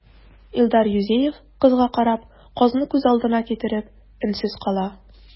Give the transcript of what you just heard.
Илдар Юзеев, кызга карап, казны күз алдына китереп, өнсез кала.